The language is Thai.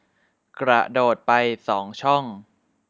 กระโดดไปสองช่อง